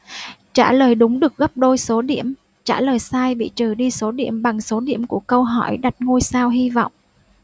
trả lời đúng được gấp đôi số điểm trả lời sai bị trừ đi số điểm bằng số điểm của câu hỏi đặt ngôi sao hy vọng